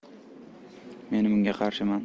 men bunga qarshiman